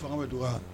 Fanga bɛ dɔgɔ